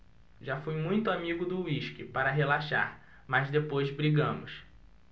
já fui muito amigo do uísque para relaxar mas depois brigamos